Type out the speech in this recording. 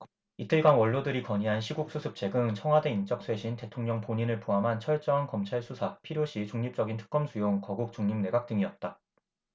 이틀간 원로들이 건의한 시국수습책은 청와대 인적 쇄신 대통령 본인을 포함한 철저한 검찰 수사 필요시 중립적인 특검 수용 거국중립내각 등이었다